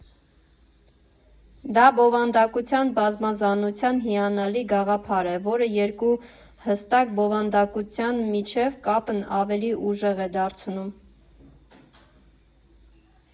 Դա բովանդակության բազմազանության հիանալի գաղափար է, որը երկու հստակ բովանդակության միջև կապն ավելի ուժեղ է դարձնում։